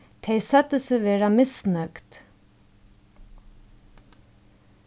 tey søgdu seg vera misnøgd